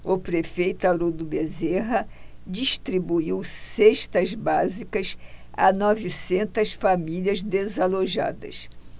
o prefeito haroldo bezerra distribuiu cestas básicas a novecentas famílias desalojadas